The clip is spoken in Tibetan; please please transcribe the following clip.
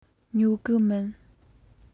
ཉོ གི མིན